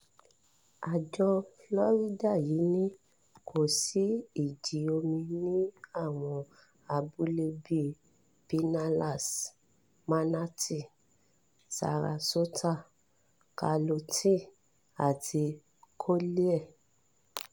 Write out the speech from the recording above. Àjọ Florida yìí ní kò sí ìjì omi ní àwọn abúlé bíi Pinellas, Manatee, Sarasota, Charlotte àti Collier.